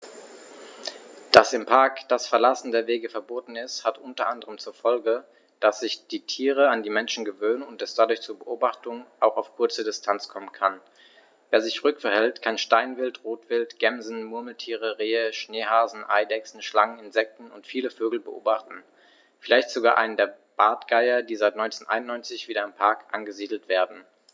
Dass im Park das Verlassen der Wege verboten ist, hat unter anderem zur Folge, dass sich die Tiere an die Menschen gewöhnen und es dadurch zu Beobachtungen auch auf kurze Distanz kommen kann. Wer sich ruhig verhält, kann Steinwild, Rotwild, Gämsen, Murmeltiere, Rehe, Schneehasen, Eidechsen, Schlangen, Insekten und viele Vögel beobachten, vielleicht sogar einen der Bartgeier, die seit 1991 wieder im Park angesiedelt werden.